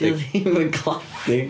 Dydi o ddim yn cladding.